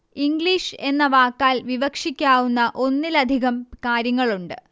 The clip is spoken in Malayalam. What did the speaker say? ഇംഗ്ലീഷ് എന്ന വാക്കാൽ വിവക്ഷിക്കാവുന്ന ഒന്നിലധികം കാര്യങ്ങളുണ്ട്